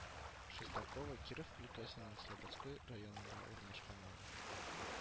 Шестаково Киров өлкәсенең Слободской районында урнашкан авыл